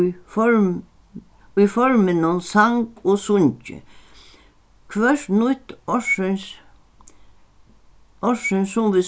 í form í forminum sang og sungið hvørt nýtt ársins ársins sum vit